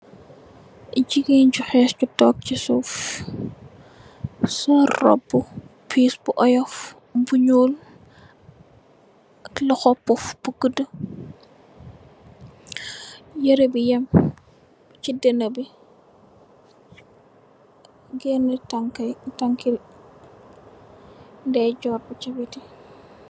Jigeen ju xess gu tog si suuf sol roba pess bu oyof bu nuul ak loxo poff bu guda yere bi yem si denabi gene tankai tanki ndeyejorr bi si beti.